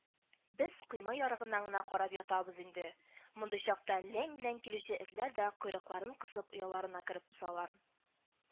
Без койма ярыгыннан гына карап ятабыз инде, мондый чакта ләң-ләң килүче этләр дә койрыкларын кысып ояларына кереп посалар